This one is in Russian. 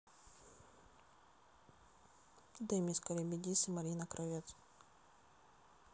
демис карибидис и марина кравец